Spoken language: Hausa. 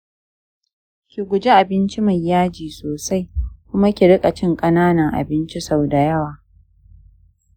ki guji abinci mai yaji sosai, kuma ki riƙa cin ƙananan abinci sau da yawa.